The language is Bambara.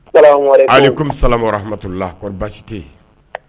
Ali kɔmimi salamadula koɔri basi tɛ